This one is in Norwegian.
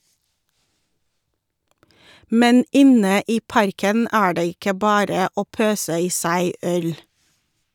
Men inne i parken er det ikke bare å pøse i seg øl.